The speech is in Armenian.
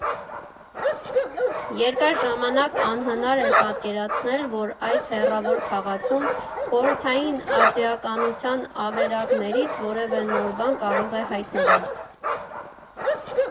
Երկար ժամանակ անհնար էր պատկերացնել, որ այս հեռավոր քաղաքում խորհրդային արդիականության ավերակներից որևէ նոր բան կարող է հայտնվել։